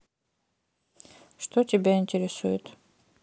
что тебя интересует